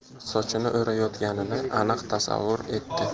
sochini o'rayotganini aniq tasavvur etdi